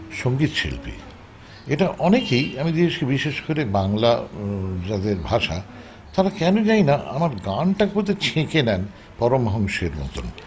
সংগীত শিল্পী এটা অনেকেই আমি দেখেছি বিশেষ করে বাংলা যাদের ভাষা তারা কেন জানি না আমার গানটাকে বোধ হয় ছেকে নেন পরমহংসের মতন